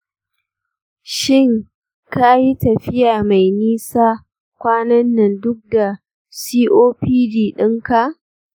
shin ka yi tafiya mai nisa kwanan nan duk da copd ɗinka?